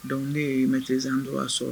Donc ne ye en droit sɔrɔ